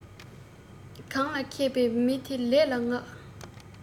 གང ལ མཁས པའི མི དེ ལས ལ མངགས